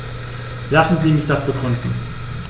Lassen Sie mich das begründen.